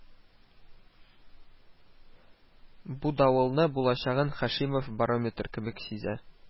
Бу давылның булачагын Һашимов барометр кебек сизә